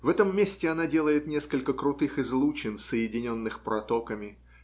В этом месте она делает несколько крутых излучин, соединенных протоками